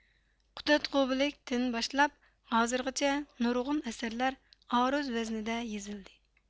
قۇتادغۇبىلىك تىن باشلاپ ھازىرغىچە نۇرغۇنلىغان ئەسەرلەر ئارۇز ۋەزنىدە يېزىلدى